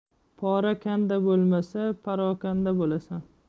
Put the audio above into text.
pora kanda bo'lmasa parokanda bo'lasan